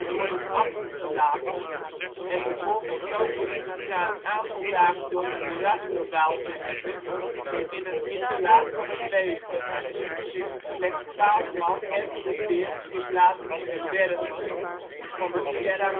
worden achtergelaten en vervolgens loopt de groep na een aantal dagen door een moeras gedwaald te hebben in een hinderlaag van het leger. Slechts 12 man hergroeperen zich later in de bergen van de " Sierra